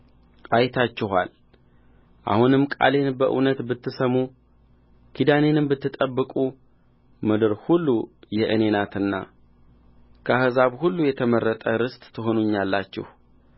አይታችኋል አሁንም ቃሌን በእውነት ብትሰሙ ኪዳኔንም ብትጠብቁ ምድር ሁሉ የእኔ ናትና ከአሕዛብ ሁሉ የተመረጠ ርስት ትሆኑልኛላችሁ